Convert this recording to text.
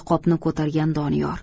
qopni ko'targan doniyor